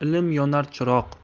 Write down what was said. ilm yonar chiroq